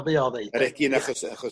...mae o ddeud yy. Yr egin achos achos